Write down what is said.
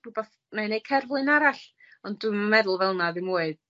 gwbo nâi neu' cerflun arall, ond dwi'm meddwl fel 'na ddim mwy.